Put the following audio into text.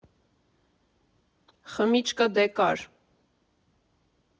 Խմիչքը դե կար։